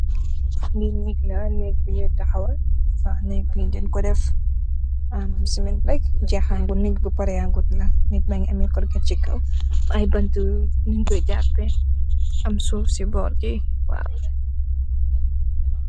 Lii nëëk la, nëëk bu ñuy taxawal. Nëëk bi dañg ko def cimentë rek, waay nëëk bu pareegut la. Nëëk baa ngi am corget, ay bantë yuñg kooy jaapee, am suuf si boor bi.